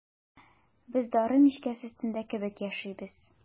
Без дары мичкәсе өстендә кебек яшибез.